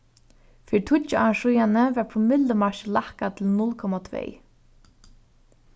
fyri tíggju árum síðani varð promillumarkið lækkað til null komma tvey